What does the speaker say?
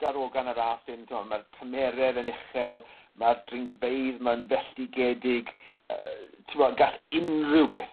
darogan y ras hyn t'mo' ma'r tymheredd yn uchel ma'r dringfeydd 'ma'n felltigedig yy t'mo' gall unryw beth